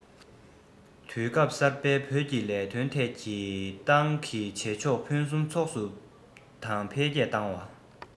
དུས སྐབས གསར པའི བོད ཀྱི ལས དོན ཐད ཀྱི ཏང གི བྱེད ཕྱོགས ཕུན སུམ ཚོགས སུ དང འཕེལ རྒྱས བཏང བ